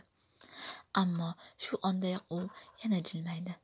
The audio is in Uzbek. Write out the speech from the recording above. ammo shu ondayoq u yana jilmaydi